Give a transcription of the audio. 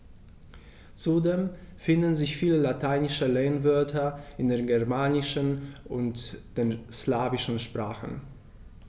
Zudem finden sich viele lateinische Lehnwörter in den germanischen und den slawischen Sprachen.